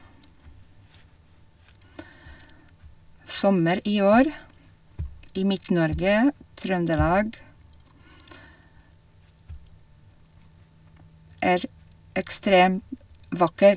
Sommer i år i Midt-Norge, Trøndelag, er ekstrem vakker.